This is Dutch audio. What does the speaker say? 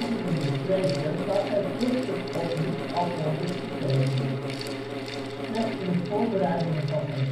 en decreten las hij vluchtig of niet alvorens te tekenen. Slechts in het voorbereiden van zijn